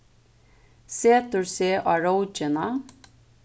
setir seg á rókina